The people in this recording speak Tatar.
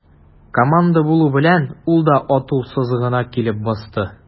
Команда булу белән, ул да ату сызыгына килеп басты.